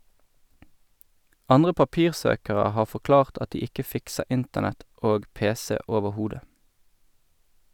Andre papirsøkere har forklart at de ikke fikser internett og pc overhodet.